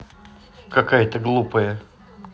какая то глупая